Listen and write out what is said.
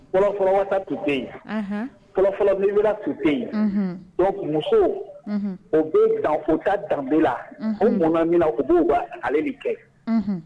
Kɔrɔfɔfɔlɔta tuu yen fɔlɔfɔlɔbbilenla tuu tɛ yen musow o bɛ gaffota danbula o mɔn min u b'u wa ale de kɛ